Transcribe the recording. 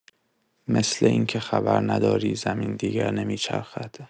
مثل این‌که خبر نداری زمین دیگر نمی‌چرخد!